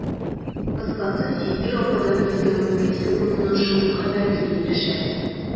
Кыскасы, сизгер ападан «112» телефонына шомлы хәбәр килеп ирешә.